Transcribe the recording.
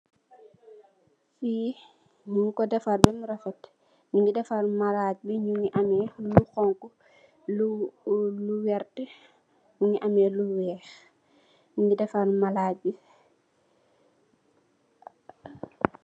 Fi mung ko defar bam rafet. Mungi defar maraj bi mungi ameh lu honku, lu vert, mungi ameh lu weeh. Mungi defar maraj bi.